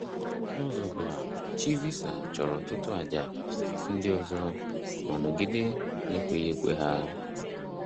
N'ụzọ ọbụla chi visa chọrọ ọtụtụ àjà ndị ọzọ, ma nọgide n'ekweghịekwe ha.